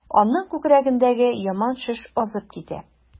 Аның күкрәгендәге яман шеш азып китә.